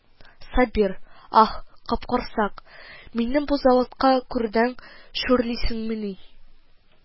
Сабир: «Ах, капкорсак, минем бу заводка керүдән шүрлисеңмени